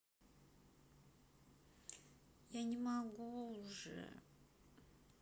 я не могу уже